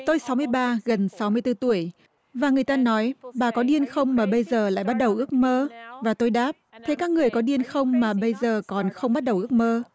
tôi sáu mươi ba gần sáu mươi tư tuổi và người ta nói bà có điên không mà bây giờ lại bắt đầu ước mơ và tôi đáp thế các người có điên không mà bây giờ còn không bắt đầu ước mơ